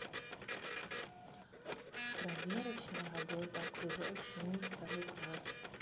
проверочная работа окружающий мир второй класс